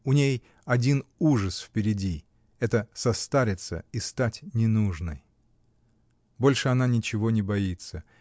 У ней один ужас впереди — это состареться и стать ненужной. Больше она ничего не боится.